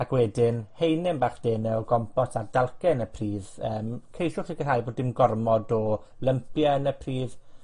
Ac wedyn haenyn bach dene o gompost ar dalcen y pridd. Yym. Ceisiwch sicirhau bo' dim gormod o lympie yn y pridd.